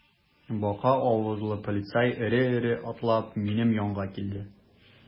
Бака авызлы полицай эре-эре атлап минем янга килде.